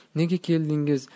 nega keldingiz